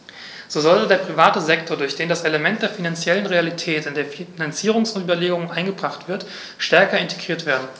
So sollte der private Sektor, durch den das Element der finanziellen Realität in die Finanzierungsüberlegungen eingebracht wird, stärker integriert werden.